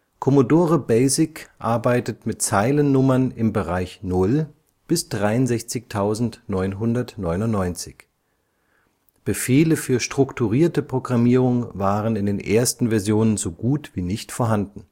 Commodore BASIC arbeitet mit Zeilennummern im Bereich 0 bis 63999. Befehle für strukturierte Programmierung waren in den ersten Versionen so gut wie nicht vorhanden